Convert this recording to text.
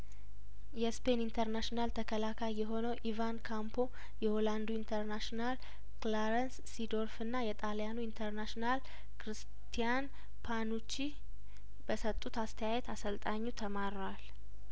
የስፔን ኢንተርናሽናል ተከላካይየሆነው ኢቫን ካምፖ የሆላንዱ ኢንተርናሽናል ክላረንስ ሲዶርፍና የጣልያኑ ኢንተርናሽናል ክሪስቲያን ፓኑቺ በሰጡት አስተያየት አሰልጣኙ ተማረዋል